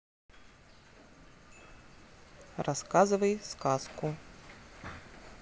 рассказывай сказку